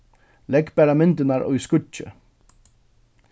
legg bara myndirnar í skýggið